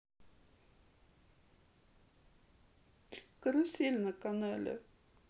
карусель на канале